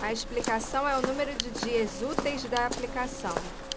a explicação é o número de dias úteis da aplicação